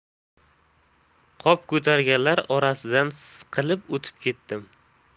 qop ko'targanlar orqasidan siqilib o'tib ketdim